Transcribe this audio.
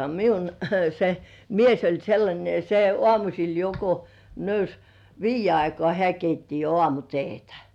minun se mies oli sellainen ja se aamusella jo kun nousi viiden aikaan hän keitti jo aamuteetä